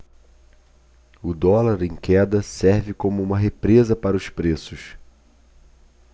o dólar em queda serve como uma represa para os preços